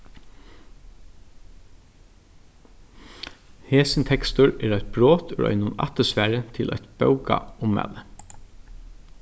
hesin tekstur er eitt brot úr einum aftursvari til eitt bókaummæli